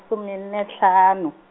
masome nne hlano.